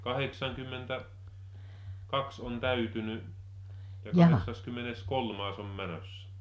kahdeksankymmentä kaksi on täytynyt että kahdeksaskymmeneskolmas on menossa